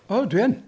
O, dwi yn!